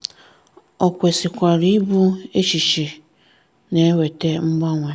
Ò kwesikwuru ịbụ echiche na-eweta mgbanwe?